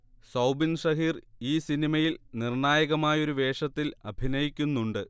സൗബിൻ ഷഹിർ ഈ സിനിമയിൽ നിർണായകമായൊരു വേഷത്തിൽ അഭിനയിക്കുന്നുണ്ട്